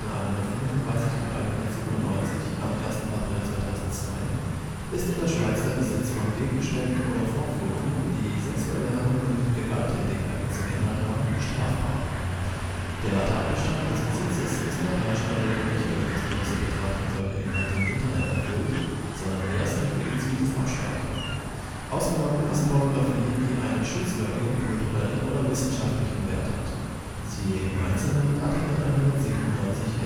135 und 197 am 1. April 2002 ist in der Schweiz der Besitz von „ Gegenständen oder Vorführungen […], die sexuelle Handlungen mit Gewalttätigkeiten zum Inhalt haben “, strafbar. Der Tatbestand des Besitzes ist nach herrschender Lehre nicht durch das bloße Betrachten solcher Inhalte im Internet erfüllt, sondern erst durch ihr gezieltes Abspeichern. Ausgenommen ist Pornografie, die einen „ schutzwürdigen kulturellen oder wissenschaftlichen Wert “hat. Siehe im Einzelnen Art. 197